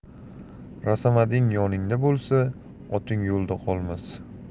rasamading yoningda bo'lsa oting yo'lda qolmas